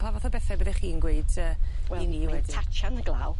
Pa fath o bethe byddech chi'n gweud yy i ni wedyn? Wel tatsian y glaw.